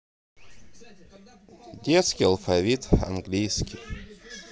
детский алфавит английский